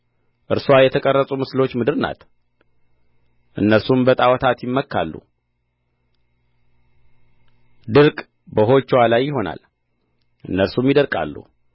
እርስዋ የተቀረጹ ምስሎች ምድር ናት እነርሱም በጣዖታት ይመካሉና ድርቅ በውኆችዋ ላይ ይሆናል እነርሱም ይደርቃሉ